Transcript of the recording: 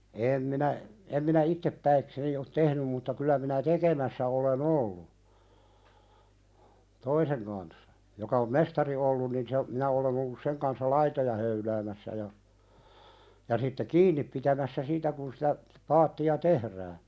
en minä en minä itse ole tehnyt mutta kyllä minä tekemässä olen ollut toisen kanssa joka on mestari ollut niin se minä olen ollut sen kanssa laitoja höyläämässä ja ja sitten kiinni pitämässä siitä kun sitä paattia tehdään